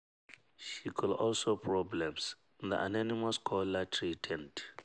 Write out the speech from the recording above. She could also face problems, the anonymous caller threatened.